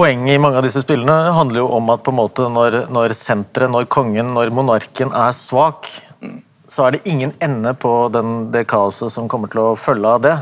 poenget i mange av disse spillene handler jo om at på en måte når når senteret når kongen når monarken er svak så er det ingen ende på den det kaoset som kommer til å følge av det